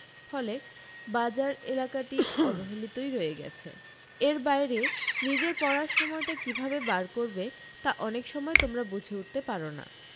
ফলে বাজার এলাকাটি অবহেলিতই রয়ে গিয়েছে এর বাইরে নিজের পড়ার সময়টা কী ভাবে বার করবে তা অনেক সময় তোমরা বুঝে উঠতে পার না